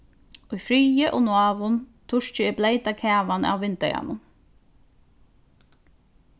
í friði og náðum turki eg bleyta kavan av vindeyganum